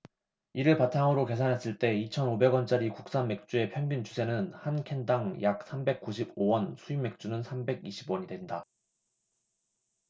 이를 바탕으로 계산했을 때 이천 오백 원짜리 국산맥주의 평균 주세는 한 캔 당 약 삼백 구십 오 원 수입맥주는 삼백 이십 원이된다